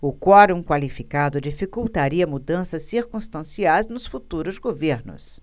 o quorum qualificado dificultaria mudanças circunstanciais nos futuros governos